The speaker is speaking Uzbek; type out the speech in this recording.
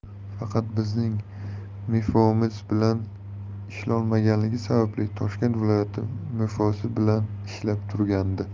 faqat bizning mfo imiz bilan ishlolmaganligi sababli toshkent viloyat mfo si bilan ishlab turgandi